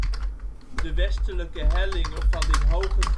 De westelijke hellingen van dit hoger gelegen